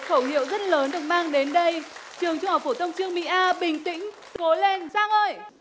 khẩu hiệu rất lớn được mang đến đây trường trung học phổ thông chương mỹ a bình tĩnh cố lên sang ơi